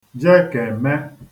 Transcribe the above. jekème